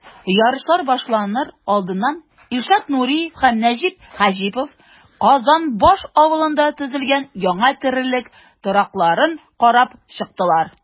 Ярышлар башланыр алдыннан Илшат Нуриев һәм Нәҗип Хаҗипов Казанбаш авылында төзелгән яңа терлек торакларын карап чыктылар.